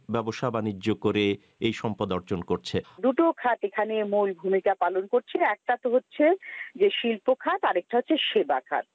ব্যবসা বাণিজ্য করে এই সম্পদ অর্জন করছে দুটো খাত এখানে মূল ভূমিকা পালন করছে একটা তো হচ্ছে যে শিল্প খাত এবং আরেকটা হচ্ছে সেবা খাত